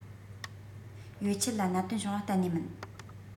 ཡོད ཆད ལ གནད དོན བྱུང བ གཏན ནས མིན